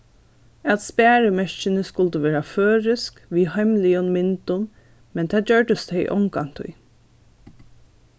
at sparimerkini skuldu vera føroysk við heimligum myndum men tað gjørdust tey ongantíð